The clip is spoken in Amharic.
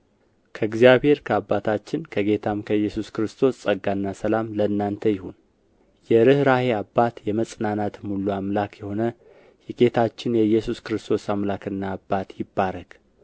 ከእግዚአብሔር ከአባታችን ከጌታም ከኢየሱስ ክርስቶስ ጸጋና ሰላም ለእናንተ ይሁን የርኅራኄ አባት የመጽናናትም ሁሉ አምላክ የሆነ የጌታችን የኢየሱስ ክርስቶስ አምላክና አባት ይባረክ